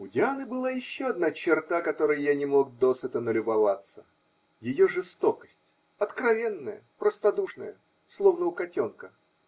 У Дианы была еще одна черта, которой я не мог досыта налюбоваться: ее жестокость, откровенная, простодушная, словно у котенка.